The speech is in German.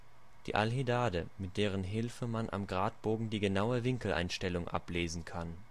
die Alhidade, mit deren Hilfe man am Gradbogen die genaue Winkeleinstellung ablesen kann